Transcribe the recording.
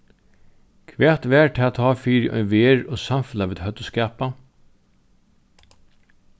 hvat var tað tá fyri ein verð og samfelag vit høvdu skapað